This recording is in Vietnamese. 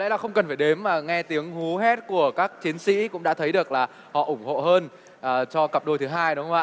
lẽ là không cần phải đếm mà nghe tiếng hú hét của các chiến sĩ cũng đã thấy được là họ ủng hộ hơn ờ cho cặp đôi thứ hai đúng không ạ